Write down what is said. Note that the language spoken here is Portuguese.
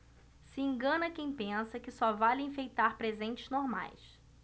se engana quem pensa que só vale enfeitar presentes normais